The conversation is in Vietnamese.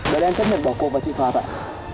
bọn em chấp nhận bỏ cuộc và chịu phạt ạ